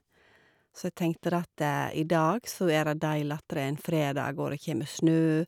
Så jeg tenkte det at i dag så er det deilig at det er en fredag, og det kjeme snø.